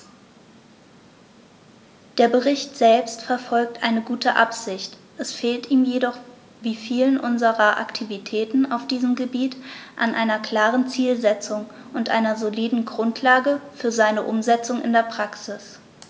Der Bericht selbst verfolgt eine gute Absicht, es fehlt ihm jedoch wie vielen unserer Aktivitäten auf diesem Gebiet an einer klaren Zielsetzung und einer soliden Grundlage für seine Umsetzung in die Praxis.